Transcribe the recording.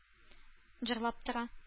Җырлап тора